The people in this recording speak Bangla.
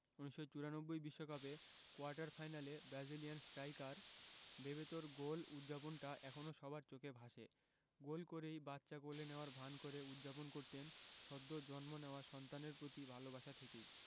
১৯৯৪ বিশ্বকাপে কোয়ার্টার ফাইনালে ব্রাজিলিয়ান স্ট্রাইকার বেবেতোর গোল উদ্ যাপনটা এখনো সবার চোখে ভাসে গোল করেই বাচ্চা কোলে নেওয়ার ভান করে উদ্ যাপন করতেন সদ্য জন্ম নেওয়া সন্তানের প্রতি ভালোবাসা থেকেই